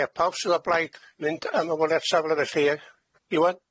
Ie pawb sydd â blaid mynd ym am ymweliad safle, Iwan?